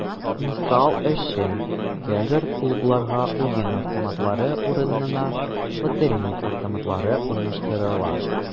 Мисал өчен, хәзер клубларга уен автоматлары урынына “лотерея автоматлары” урнаштырыла.